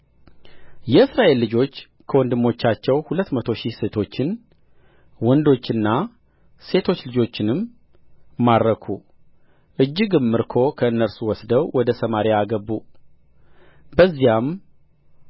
የእስራኤል ልጆች ከወንድሞቻቸው ሁለት መቶ ሺህ ሴቶችን ወንዶችና ሴቶች ልጆችንም ማረኩ እጅግም ምርኮ ከእነርሱ ወስደው ወደ ሰማርያ አገቡ በዚያም